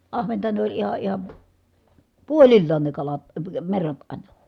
ahventa ne oli ihan ihan puolillaan ne kalat - merrat aina